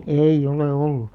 ei ole ollut